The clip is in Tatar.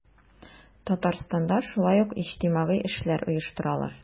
Татарстанда шулай ук иҗтимагый эшләр оештыралар.